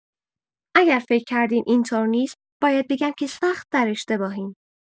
اگه فکر کردین اینطور نیست باید بگم که سخت در اشتباهین.